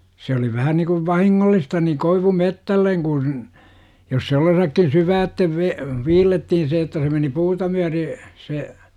se oli vähän niin kuin vahingollista niin koivumetsälle kun jos se ollensakin syvälle - viillettiin se että se meni puuta myöten se